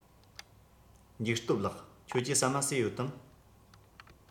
འཇིགས སྟོབས ལགས ཁྱོད ཀྱིས ཟ མ ཟོས ཡོད དམ